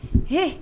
H